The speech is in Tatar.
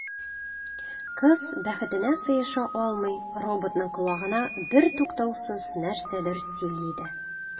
Кыз, бәхетенә сыеша алмый, роботның колагына бертуктаусыз нәрсәдер сөйли иде.